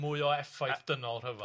Mwy o effaith dynol rhyfel.